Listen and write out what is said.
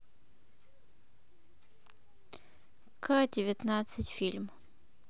ка девятнадцать фильм